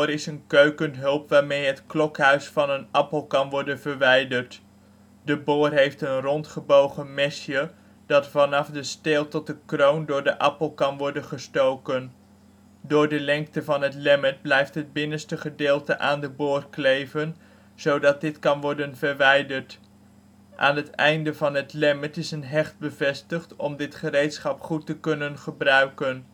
is een keukenhulp waarmee het klokhuis van een (hele) appel kan worden verwijderd. De boor heeft een rondgebogen mesje dat vanaf de steel tot de kroon door de appel kan worden gestoken. Door de lengte van het lemmet blijft het binnenste gedeelte aan de boor kleven, zodat dit kan worden verwijderd. Aan het einde van het lemmet is een hecht bevestigd om dit gereedschap goed te kunnen gebruiken